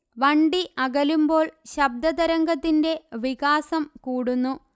വണ്ടി അകലുമ്പോൾ ശബ്ദതരംഗത്തിന്റെ വികാസം കൂടുന്നു